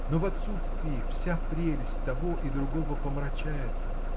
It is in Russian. но в отсутствии вся прелесть того и другого помрачается